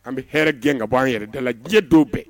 An bɛ hɛrɛ gɛn ka bɔ' an yɛrɛ dala la diɲɛ dɔw bɛɛ